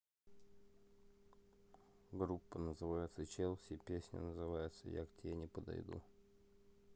группа называется челси песня называется я к тебе не подойду